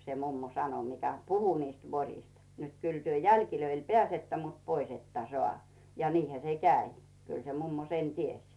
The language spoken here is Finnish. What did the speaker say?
se mummo sanoi mikä puhui niistä voroista niin että kyllä te jäljille pääsette mutta pois ette saa ja niinhän se kävi kyllä se mummo sen tiesi